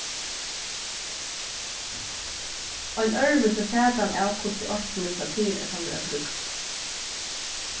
ein øðrvísi fatan av hvussu eitt nú satira kann verða brúkt